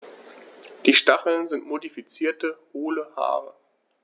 Diese Stacheln sind modifizierte, hohle Haare.